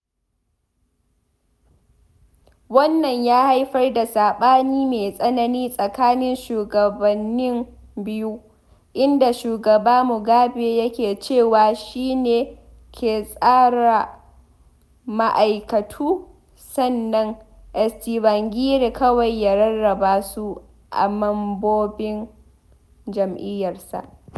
Wannan ya haifar da saɓani mai tsanani tsakanin shugabannin biyu, inda shugaba Mugabe yake cewa shi ne ke tsara ma'aikatu sannan Tsvangirai kawai ya rarraba su ga mambobin jam'iyyarsa.